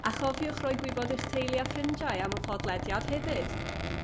A chofiwch roi gwybod eich teulu a ffrindiau am y podlediad hefyd.